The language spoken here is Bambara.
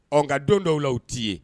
Ɔ nka don dɔw la aw t'i ye